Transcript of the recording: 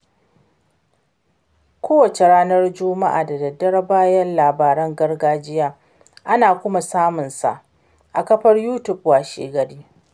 Kowace ranar Juma'a da daddare bayan labaran gargajiya, ana kuma samun sa a kafar Youtube washegari.